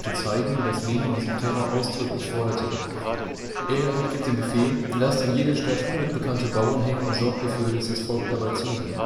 zeigen, dass Lenin diesen Terror ausdrücklich forderte. Er gibt den Befehl, „ lasst in jeder Stadt 100 bekannte Bauern hängen und sorgt dafür, dass das Volk dabei zusieht